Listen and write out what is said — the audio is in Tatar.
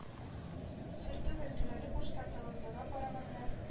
Сер түгел, түләүле курста талантлыга караганда